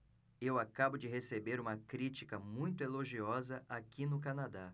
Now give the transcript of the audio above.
eu acabo de receber uma crítica muito elogiosa aqui no canadá